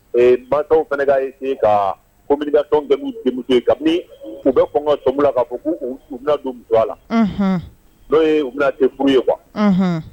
Ee mansa fana ka essayer ka communication kɛ n'u denmuso ye kabini u bɛ kɔn ka sɔmi u la k'a ko u bɛ don musoya la; unhun; n'o ye u bɛna se furu ye quoi